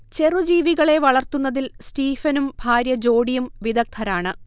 ചെറുജീവികളെ വളർത്തുന്നതിൽ സ്റ്റീഫനും ഭാര്യ ജോഡിയും വിദഗ്ധരാണ്